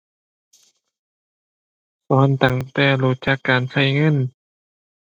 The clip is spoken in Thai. สอนตั้งแต่รู้จักการใช้เงิน